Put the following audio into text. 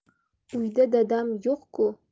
uyda dadam yo'q ku